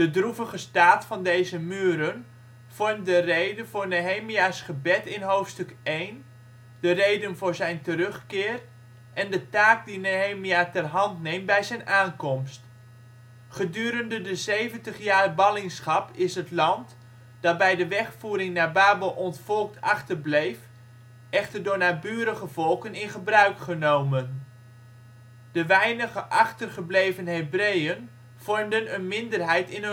droevige staat van deze muren vormt de reden voor Nehemia 's gebed in hoofdstuk 1, de reden voor zijn terugkeer, en de taak die Nehemia ter hand neemt bij zijn aankomst. Gedurende de zeventig jaar ballingschap is het land, dat bij de wegvoering naar Babel ontvolkt achter bleef, echter door naburige volken in gebruik genomen. De weinige achter gebleven Hebreeën vormden een minderheid in